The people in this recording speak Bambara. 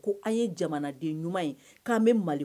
Ko an ye jamanaden ɲuman ye k'an bɛ Mali